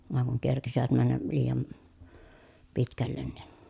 vain kun kerkisivät mennä liian pitkälle niin